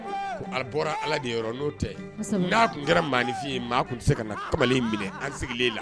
Bɔra ala ni yɔrɔ n'o n'a tun kɛra maafin ye maa tun bɛ se ka na kamalen minɛ an sigilen la